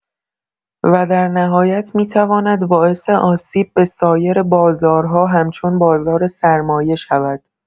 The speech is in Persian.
و در نهایت می‌تواند باعث آسیب به سایر بازارها همچون بازار سرمایه شود.